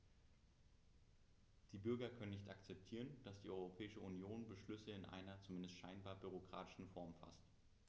Die Bürger können nicht akzeptieren, dass die Europäische Union Beschlüsse in einer, zumindest scheinbar, bürokratischen Form faßt.